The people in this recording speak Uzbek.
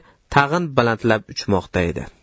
tag'in balandlab uchmoqda edi